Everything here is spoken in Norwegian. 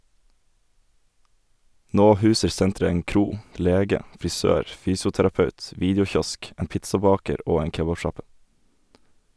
Nå huser senteret en kro , lege , frisør, fysioterapeut, videokiosk, en pizzabaker og en kebabsjappe.